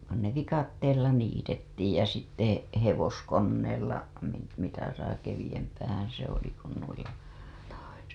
kun ne viikatteella niitettiin ja sitten hevoskoneella - mitä sai keveämpään se oli kuin noilla toisilla